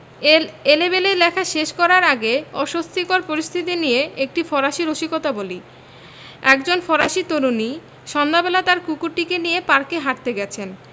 এল এলেবেলে লেখা শেষ করার আগে অস্বস্তিকর পরিস্থিতি নিয়ে একটি ফরাসি রসিকতা বলি একজন ফরাসি তরুণী সন্ধ্যাবেলা তার কুকুরটিকে নিয়ে পার্কে হাঁটতে গেছেন